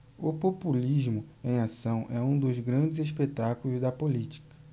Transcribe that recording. o populismo em ação é um dos grandes espetáculos da política